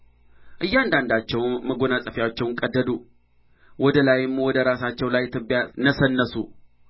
እያንዳንዳቸውም መጐናጸፊያቸውን ቀደዱ ወደ ላይም ወደ ራሳቸው ላይ ትቢያ ነሰነሱ ሰባት ቀንና